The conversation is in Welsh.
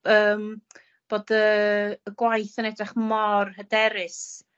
yym bod y y gwaith yn edrych mor hyderus...